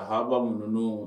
Haraba minnu